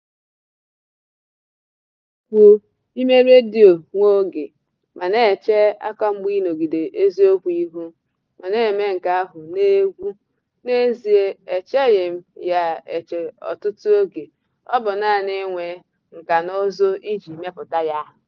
Xuman : N'eziokwu ime redio nwa oge ma na-eche akamgba ịnọgide eziokwu ihu, ma na-eme nke ahụ n'egwu ... N'ezịe, echeghị m ya eche ọtụtụ oge, ọ bụ naanị inwe nkànaụzụ iji mepụta ya.